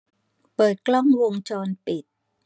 เปิดกล้องวงจรปิด